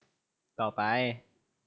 ต่อไป